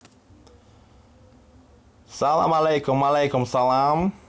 салам алейкум малейкум асалам